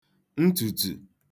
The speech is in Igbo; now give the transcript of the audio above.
ntùtù